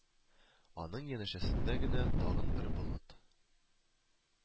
Аның янәшәсендә генә тагын бер болыт